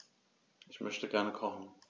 Ich möchte gerne kochen.